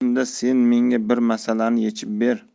unda sen menga bir masalani yechib ber